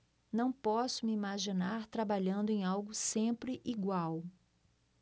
não posso me imaginar trabalhando em algo sempre igual